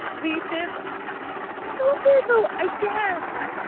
Fi byth... ti'n gwybod be though, again like...